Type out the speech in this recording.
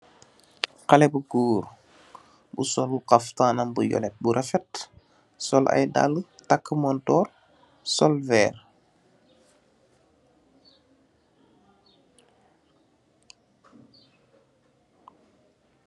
Xalé bu goor, bu soolu xaftaanam bu yollet, bu rafet, sol ay daalë, takë motor, sol veer.